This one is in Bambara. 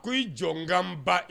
Ko i jɔnkan ba